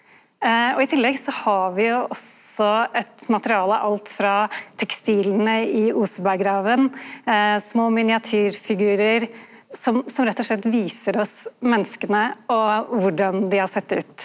og i tillegg så har vi jo også eit materiale alt frå tekstila i Oseberggraven, små miniatyrfigurar som som rett og slett viser oss menneska og korleis dei har set ut.